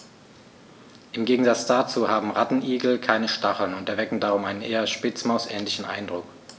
Im Gegensatz dazu haben Rattenigel keine Stacheln und erwecken darum einen eher Spitzmaus-ähnlichen Eindruck.